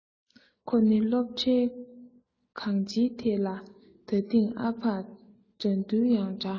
ཁོ ནི སློབ གྲྭའི གང སྤྱིའི ཐད ལ ད ཐེངས ཨ ཕ དགྲ འདུལ ཡང འདྲ